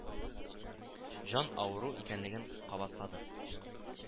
Җан авыру икәнлеген кабатлады